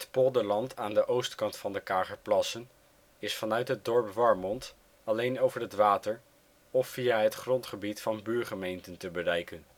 polderland aan de oostkant van de Kagerplassen is vanuit het dorp Warmond alleen over het water of via het grondgebied van buurgemeenten te bereiken